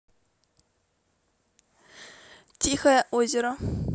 тихое озеро